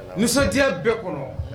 Nisɔndiya bɛɛ kɔnɔ